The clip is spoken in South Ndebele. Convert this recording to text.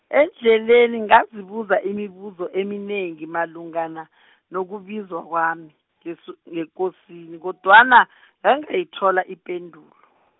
endleleni ngazibuza imibuzo eminengi malungana , nokubizwa kwami, ngeso- ngekosini kodwana , ngangayithola ipendulo.